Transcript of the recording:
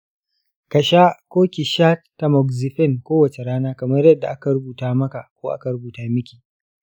ka/ki sha tamoxifen kowace rana kamar yadda aka rubuta maka/ki.